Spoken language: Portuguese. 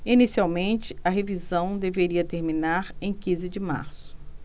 inicialmente a revisão deveria terminar em quinze de março